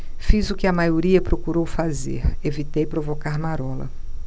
fiz o que a maioria procurou fazer evitei provocar marola